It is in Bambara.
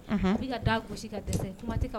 A bi ka da gosi ka dɛsɛ kuma tɛ